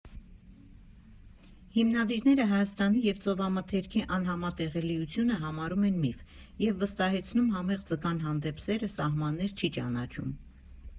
Հիմնադիրները Հայաստանի և ծովամթերքի անհամատեղելիությունը համարում են միֆ և վստահեցնում՝ համեղ ձկան հանդեպ սերը սահմաններ չի ճանաչում։